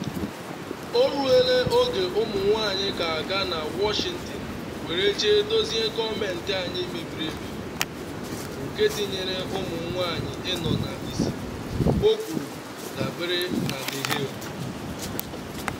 “O ruola oge ụmụ-nwanyị ga-aga na Washington were jee dozie gọọmentị anyị mebiri emebi, bụ nke tinyere ụmụ-nwanyị ịnọ n’isi.” o kwuru, dabere na The Hill.